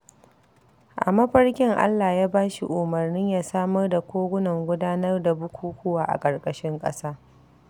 A mafarkin Allah Ya ba shi umarnin ya samar da kogunan gudanar da bukukuwa a ƙarƙashin ƙasa